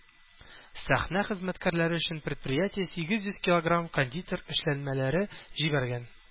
Сәхнә хезмәткәрләре өчен предприятие сигез йөз килограмм кондитер эшләнмәләре җибәргән.